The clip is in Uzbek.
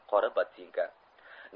qora botinka